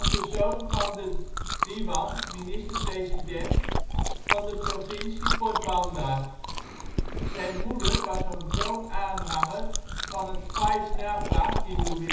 de zoon van de diwan (minister-president) van de provincie Porbandar. Zijn moeder was een vroom aanhanger van het Vaishnava-hindoeïsme en